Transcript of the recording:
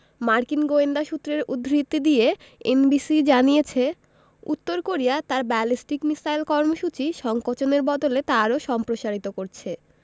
মার্কিন গোয়েন্দা সূত্রের উদ্ধৃতি দিয়ে এনবিসি জানিয়েছে উত্তর কোরিয়া তার ব্যালিস্টিক মিসাইল কর্মসূচি সংকোচনের বদলে তা আরও সম্প্রসারিত করছে